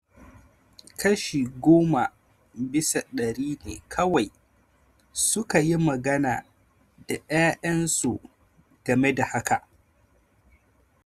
Kashi 10 bisa dari ne kawai sukayi magana da yayan su game da haka.